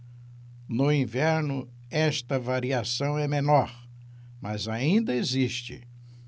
no inverno esta variação é menor mas ainda existe